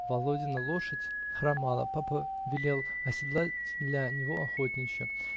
Володина лошадь хромала; папа велел оседлать для него охотничью.